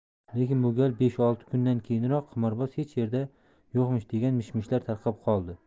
lekin bu gal besh olti kundan keyinroq qimorboz hech yerda yo'qmish degan mishmishlar tarqab qoldi